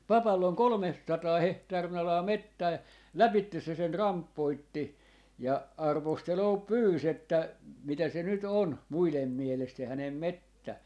papalla on kolmesataa hehtaarin alaa metsää ja lävitse se sen rampoitti ja arvostelua pyysi että mitä se nyt on muiden mielestä se hänen metsä